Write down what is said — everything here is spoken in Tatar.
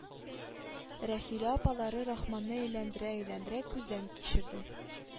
Рәхилә апалары рахманны әйләндерә-әйләндерә күздән кичерде